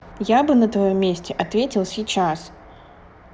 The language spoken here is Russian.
я бы на твоем месте ответил сейчас